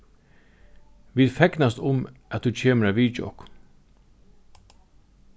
vit fegnast um at tú kemur at vitja okkum